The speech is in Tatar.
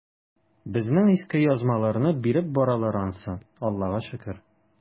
Безнең иске язмаларны биреп баралар ансы, Аллага шөкер.